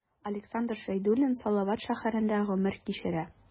Александр Шәйдуллин Салават шәһәрендә гомер кичерә.